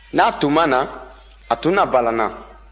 n'a tun ma na a tun na bala n na